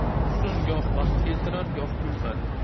husn goh baxt keltirar goh kulfat